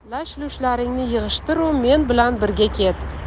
lash lushlaringni yig'ishtiru men bilan birga ket